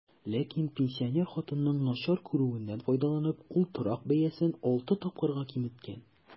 Ләкин, пенсинер хатынның начар күрүеннән файдаланып, ул торак бәясен алты тапкырга киметкән.